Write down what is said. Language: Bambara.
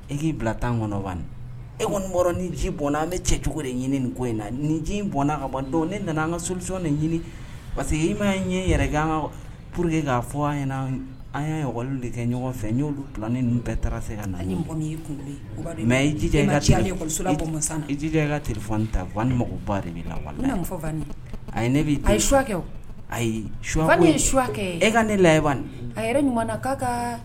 E k'i bila tan kɔnɔ e kɔni ni ji bɔnna an bɛ cɛcogo de ɲini nin ko in na ni ji bɔn ka bɔ ne nana an katiɔn ɲini parce que i ma ɲɛ yɛrɛ pur que k'a fɔ an an' ɲɔgɔnli de kɛ ɲɔgɔn fɛ n'olu dilan ni bɛɛ taara se ka na kun jija jija i ka t ta fɔ an ni mako ba de bɛ la ne ayi su e ka ne la a yɛrɛ ɲuman